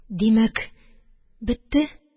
Димәк, бетте,